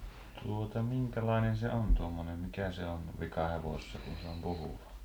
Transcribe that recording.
tuota minkälainen se on tuommoinen mikä se on vika hevosessa kun se on puhuva